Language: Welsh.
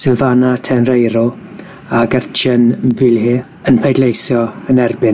Sylfana Tenreiroe a Gertchen Filihe yn pleidleisio yn erbyn